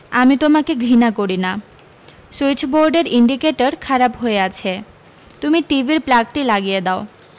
আমি তোমাকে ঘৃণা করি না সুইচ বোরডের ইন্ডিকেটর খারাপ হোয়ে আছে তুমি টিভির প্লাগটি লাগিয়ে দাও